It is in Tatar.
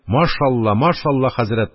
«машалла, машалла, хәзрәт,